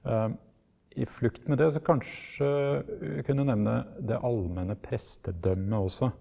i flukt med det så kanskje kunne nevne det allmenne prestedømmet også.